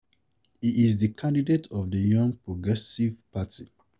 He is the candidate of the Young Progressive Party.